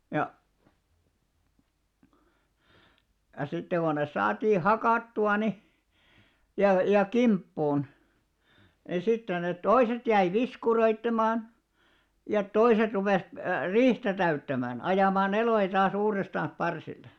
ja ja sitten kun ne saatiin hakattua niin ja ja kimppuun niin sitten ne toiset jäi viskuroimaan ja toiset rupesi riihtä täyttämään ajamaan eloja taas uudestaan parsille